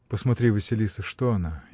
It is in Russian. — Посмотри, Василиса, что она?